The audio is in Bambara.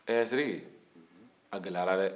ɛh sidiki a gɛlɛyara dɛ